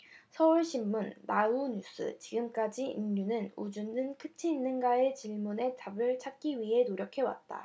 서울신문 나우뉴스 지금까지 인류는우주는 끝이 있는가 라는 질문의 답을 찾기 위해 노력해왔다